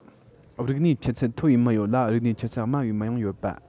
རིག གནས ཆུ ཚད མཐོ བའི མི ཡོད ལ རིག གནས ཆུ ཚད དམའ བའི མི ཡང ཡོད པ